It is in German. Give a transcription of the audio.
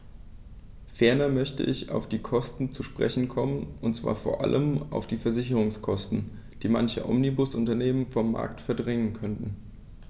Ferner möchte ich auf die Kosten zu sprechen kommen, und zwar vor allem auf die Versicherungskosten, die manche Omnibusunternehmen vom Markt verdrängen könnten.